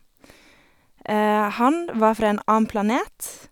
Han var fra en annen planet.